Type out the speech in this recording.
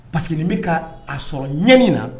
Paseke bɛka ka a sɔrɔ ɲɛni na